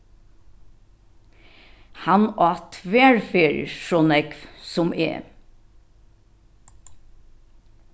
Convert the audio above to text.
hann át tvær ferðir so nógv sum eg